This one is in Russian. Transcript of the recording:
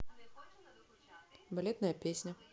балетная песня